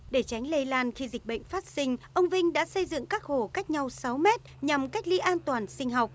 để tránh lây lan khi dịch bệnh phát sinh ông vinh đã xây dựng các hồ cách nhau sáu mét nhằm cách ly an toàn sinh học